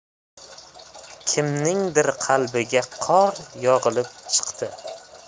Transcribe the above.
kimningdir qalbiga qor yog'ilib chiqdi